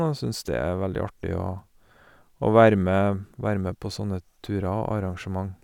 Og syns dét er veldig artig å å vær med være med på sånne turer og arrangement.